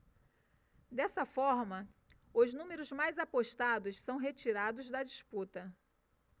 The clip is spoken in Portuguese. dessa forma os números mais apostados são retirados da disputa